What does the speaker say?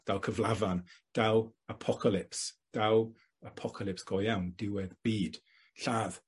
daw cyflafan daw apocolyps daw apocolyps go-iawn, diwedd byd. Lladd